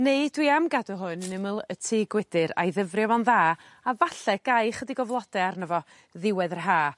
Neu dwi am gadw hwn yn ymyl y tŷ gwydr a'i ddyfrio fo'n dda a falle gai chydig o flode arno fo ddiwedd yr Ha.